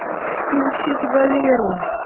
включить валеру